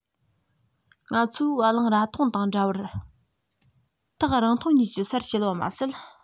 ང ཚོའི བ གླང རྭ ཐུང དང འདྲ བར ཐག རིང ཐུང གཉིས ཀྱི སར སྐྱེལ བ མ ཟད